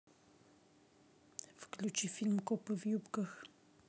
включи фильм копы в юбках